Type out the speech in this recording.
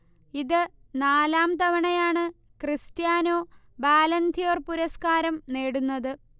ഇത് നാലാം തവണയാണ് ക്രിസ്റ്റ്യാനോ ബാലൺദ്യോർ പുരസ്കാരം നേടുന്നത്